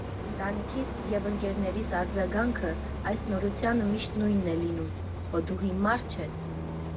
Ընտանիքիս և ընկերներիս արձագանքը այս նորությանը միշտ նույնն է լինում՝ հո դու հիմա՞ր չես։